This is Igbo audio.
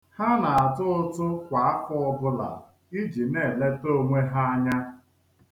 Ha na-atụ ụtụ kwa afọ ọbụla iji na-eleta onwe ha anya.